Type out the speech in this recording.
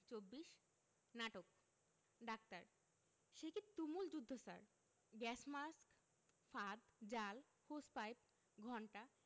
২৪ নাটক ডাক্তার সেকি তুমুল যুদ্ধ স্যার গ্যাস মাস্ক ফাঁদ জাল হোস পাইপ ঘণ্টা